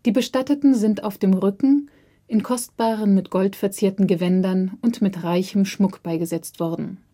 Bestatteten sind auf den Rücken in kostbaren mit Gold verzierten Gewändern und mit reichen Schmuck beigesetzt worden